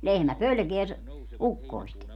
lehmä pelkää - ukkosta